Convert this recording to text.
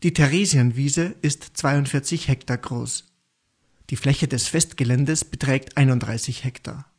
Theresienwiese ist 42 Hektar groß. Die Fläche des Festgeländes beträgt 31 Hektar